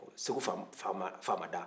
segu faama da